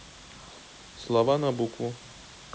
слова на букву